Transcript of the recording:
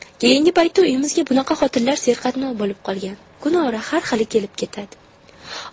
keyingi paytda uyimizga bunaqa xotinlar serqatnov bo'lib qolgan kun ora har xili kelib ketadi